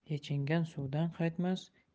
yechingan suvdan qaytmas